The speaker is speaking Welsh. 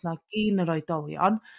t'mod un o'r oedolion.